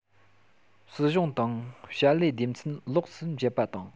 སྲིད གཞུང དང བྱ ལས སྡེ ཚན ལོགས སུ འབྱེད པ དང